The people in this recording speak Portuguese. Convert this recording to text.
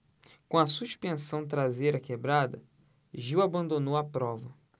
com a suspensão traseira quebrada gil abandonou a prova